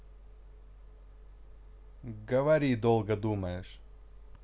говори долго думаешь